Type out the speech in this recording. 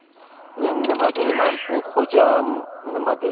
men nima deyman u xo'jam nima deydi